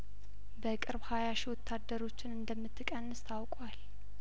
በቅርብ ሀያሺ ወታደሮችን እንደምትቀንስ ታውቋል